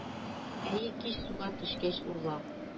Әйе кич суга төшкәч урла